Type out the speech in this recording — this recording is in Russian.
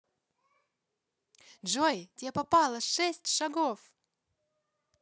джой тебе попало шесть шагов